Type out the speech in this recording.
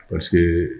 Parce que